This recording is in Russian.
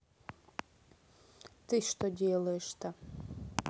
ты что делаешь то